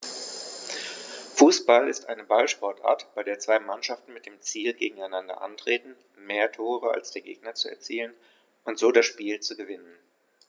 Fußball ist eine Ballsportart, bei der zwei Mannschaften mit dem Ziel gegeneinander antreten, mehr Tore als der Gegner zu erzielen und so das Spiel zu gewinnen.